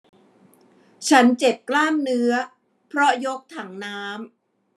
ฉันเจ็บกล้ามเนื้อเพราะยกถังน้ำ